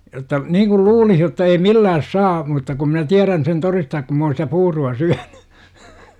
jotta niin kuin luulisi jotta ei millään saa mutta kun minä tiedän sen todistaa kun minä olen sitä puuroa syönyt